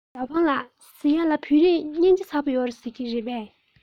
ཞའོ ཧྥུང ལགས ཟེར ཡས ལ བོད རིགས སྙིང རྗེ ཚ པོ ཡོད རེད ཟེར གྱིས རེད པས